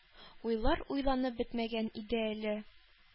Уйлар уйланып бетмәгән иде әле.